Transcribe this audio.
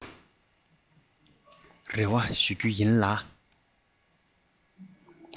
རེ བ ཞུ རྒྱུ ཡིན ལ